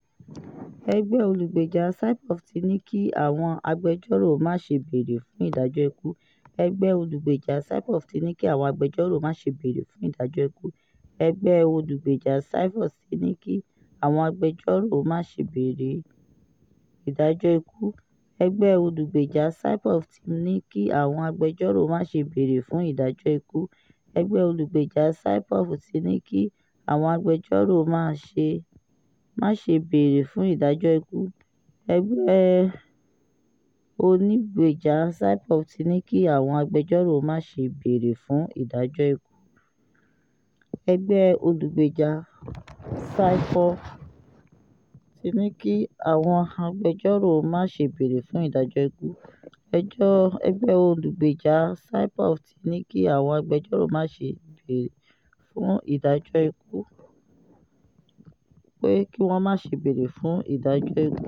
Ẹgbẹ́ olùgbèjà Saipov ti ní kí àwọn agbẹjọ́rò má ṣe bẹ̀rè fún ìdájọ́ ikú.